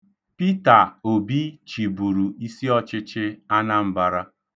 Pita Obi chịburu isiọchịchị Anambara.